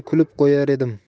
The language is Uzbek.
kulib qo'yar edim